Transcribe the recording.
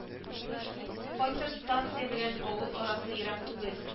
Кайтыр, станция белән авыл арасы ерак түгел